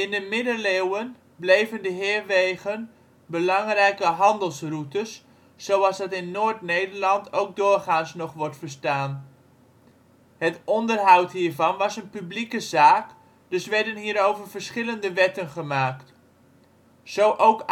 de middeleeuwen bleven de heerwegen belangrijke handelsroutes, zoals dat in Noord-Nederland ook doorgaans nog wordt verstaan. Het onderhoud hiervan was een publieke zaak, dus werden hierover verschillende wetten gemaakt. Zo ook